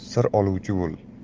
sir oluvchi bo'l